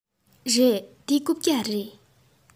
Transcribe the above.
རེད འདི རྐུབ བཀྱག རེད